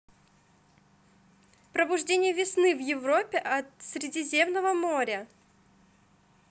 пробуждение весны в европе от средиземного моря